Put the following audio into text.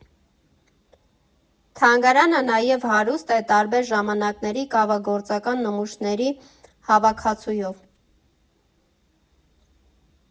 Թանգարանը նաև հարուստ է տարբեր ժամանակների կավագործական նմուշների հավաքածուով։